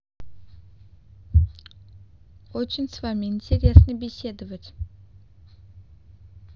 очень с вами интересно беседовать